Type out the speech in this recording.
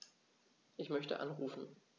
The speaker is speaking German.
Ich möchte anrufen.